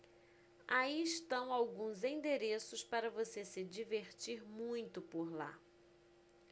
aí estão alguns endereços para você se divertir muito por lá